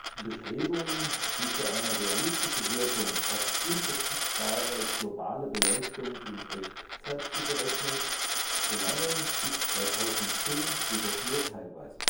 Bestrebungen, die für eine realistische Wirkung oft unverzichtbare globale Beleuchtung in Echtzeit zu berechnen, gelangen bisher (2010) jedoch nur teilweise